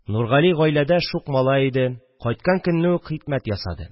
Нургали гаиләдә шук малай иде – кайткан көнне үк хикмәт ясады